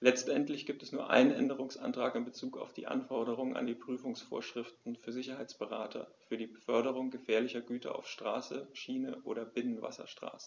letztendlich gibt es nur einen Änderungsantrag in bezug auf die Anforderungen an die Prüfungsvorschriften für Sicherheitsberater für die Beförderung gefährlicher Güter auf Straße, Schiene oder Binnenwasserstraßen.